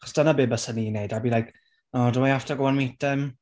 Achos dyna be byswn i'n wneud. I'd be like, oh do I have to go and meet him